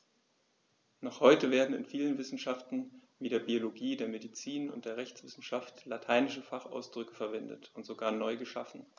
Noch heute werden in vielen Wissenschaften wie der Biologie, der Medizin und der Rechtswissenschaft lateinische Fachausdrücke verwendet und sogar neu geschaffen.